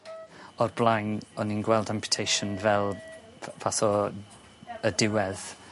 O'r blaen o'n i'n gweld amputation fel fath o y diwedd.